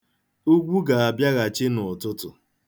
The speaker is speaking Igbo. Ugwu ga-abịaghachi n'ụtụtụ.